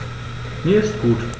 Mir ist gut.